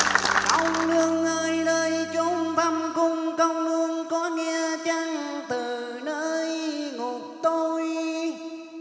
công nương ơi nơi chốn thâm cung công nương có nghe chăng từ nơi ngục tối